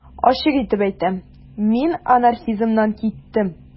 Ачык итеп әйтәм: мин анархизмнан киттем.